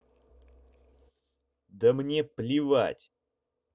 да мне плевать